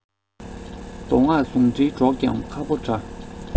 མདོ སྔགས ཟུང འབྲེལ སྒྲོག ཀྱང ཁ ཕོ འདྲ